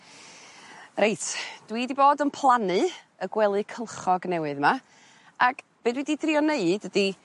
Reit dwi 'di bod yn plannu y gwely cylchog newydd 'ma ag be' dwi 'di drio neud ydi